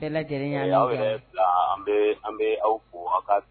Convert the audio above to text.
Kɛlɛ lajɛlenya aw fila an bɛ an bɛ aw fɔ aw ka